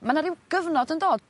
ma' 'na ryw gyfnod yn dod